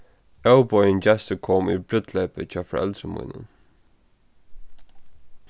óboðin gestur kom í brúdleypið hjá foreldrum mínum